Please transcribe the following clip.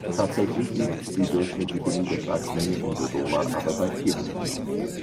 Tatsächlich liegt die durchschnittliche Niederschlagsmenge in Dodoma aber bei 400 mm